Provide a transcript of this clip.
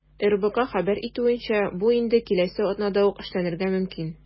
РБК хәбәр итүенчә, бу инде киләсе атнада ук эшләнергә мөмкин.